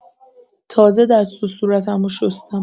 تازه دست و صورتمو شستم.